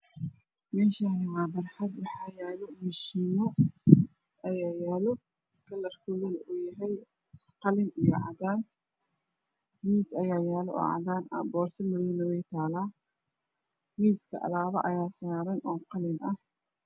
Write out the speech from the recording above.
Meeshaan waa barxad waxaa yaalo mashiino kalar koodu uu yahay cagaar Miiska alaabo ayaa saaran